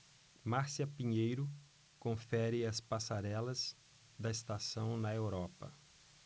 márcia pinheiro confere as passarelas da estação na europa